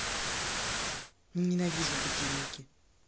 ненавижу будильники